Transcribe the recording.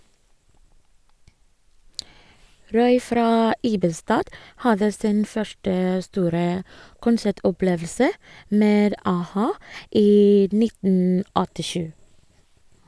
Roy fra Ibestad hadde sin første store konsertopplevelse med a-ha i 1987.